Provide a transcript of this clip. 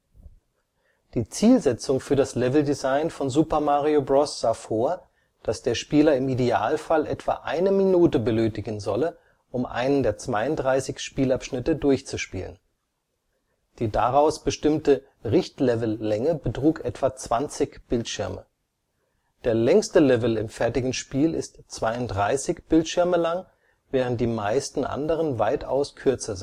Die Zielsetzung für das Leveldesign von Super Mario Bros. sah vor, dass der Spieler im Idealfall etwa eine Minute benötigen solle, um einen der 32 Spielabschnitte durchzuspielen. Die daraus bestimmte Richtlevellänge betrug etwa 20 Bildschirme. Der längste Level im fertigen Spiel ist 32 Bildschirme lang, während die meisten anderen weitaus kürzer